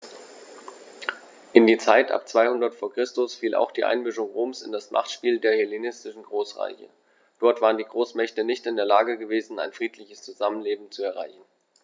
In die Zeit ab 200 v. Chr. fiel auch die Einmischung Roms in das Machtspiel der hellenistischen Großreiche: Dort waren die Großmächte nicht in der Lage gewesen, ein friedliches Zusammenleben zu erreichen.